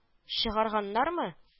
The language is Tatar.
Чыгарганнармы